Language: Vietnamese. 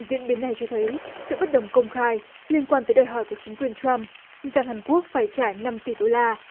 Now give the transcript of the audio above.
diễn biến này cho thấy sự bất đồng công khai liên quan tới đòi hỏi của chính quyền trăm rằng hàn quốc phải trả năm tỷ đô la